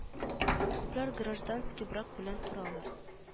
Күпләр гражданский брак белән торалар